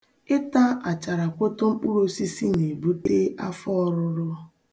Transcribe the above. Ịta acharakwoto mkpụrụosisi na-ebute afọ ọrụrụ.